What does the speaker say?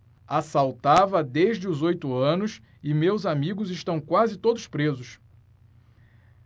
assaltava desde os oito anos e meus amigos estão quase todos presos